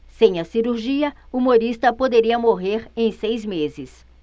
sem a cirurgia humorista poderia morrer em seis meses